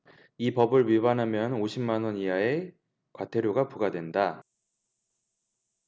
이 법을 위반하면 오십 만원 이하의 과태료가 부과된다